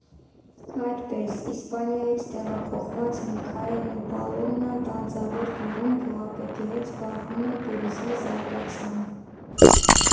Այդպես, Իսպանիայից տեղափոխված Միքայելն ու Պալոման Տանձավեր գյուղում գյուղապետի հետ զբաղվում են տուրիզմի զարգացմամբ։